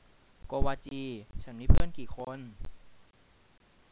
โกวาจีฉันมีเพื่อนกี่คน